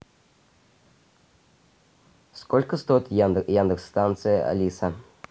сколько стоит яндекс станция алиса